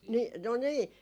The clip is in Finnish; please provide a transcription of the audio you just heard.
niin no niin